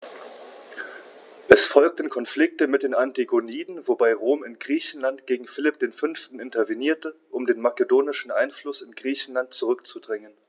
Es folgten Konflikte mit den Antigoniden, wobei Rom in Griechenland gegen Philipp V. intervenierte, um den makedonischen Einfluss in Griechenland zurückzudrängen.